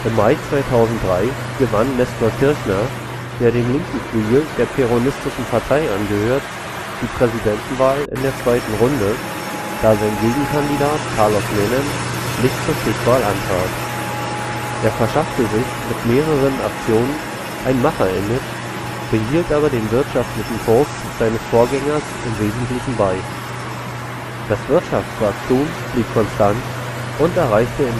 Mai 2003 gewann Néstor Kirchner, der dem linken Flügel der Peronistischen Partei angehört, die Präsidentenwahl in der zweiten Runde, da sein Gegenkandidat Carlos Menem nicht zur Stichwahl antrat. Er verschaffte sich mit mehreren Aktionen ein „ Macher-Image “, behielt aber den wirtschaftlichen Kurs seines Vorgängers im Wesentlichen bei. Das Wirtschaftswachstum blieb konstant und erreichte